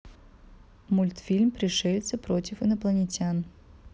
мультфильм пришельцы против инопланетян